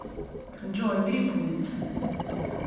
джой убери пульт